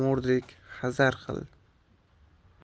mo'rdek hazar qil